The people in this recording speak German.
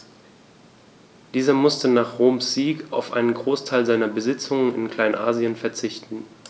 Dieser musste nach Roms Sieg auf einen Großteil seiner Besitzungen in Kleinasien verzichten.